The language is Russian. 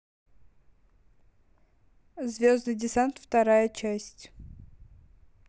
звездный десант вторая часть